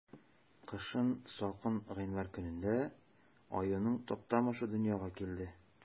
Кышын, салкын гыйнвар көнендә, аюның Таптамышы дөньяга килде.